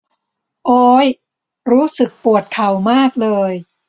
โอ้ยรู้สึกปวดเข่ามากเลย